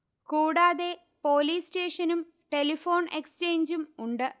കൂടാതെ പോലീസ് സ്റ്റേഷനും ടെലിഫോൺ എക്സ്ചേഞ്ചും ഉണ്ട്